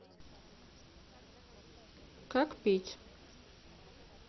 как пить